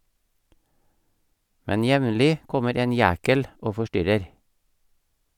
Men jevnlig kommer en jækel og forstyrrer.